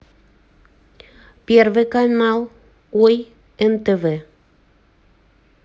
первый канал ой нтв